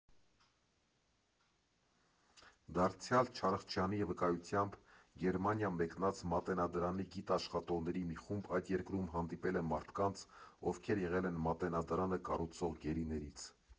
Դարձյալ Չարխչյանի վկայությամբ՝ Գերմանիա մեկնած Մատենադարանի գիտաշխատողների մի խումբ այդ երկրում հանդիպել է մարդկանց, ովքեր եղել են Մատենադարանը կառուցող գերիներից։